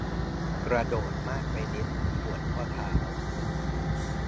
กระโดดมากไปนิดปวดข้อเท้า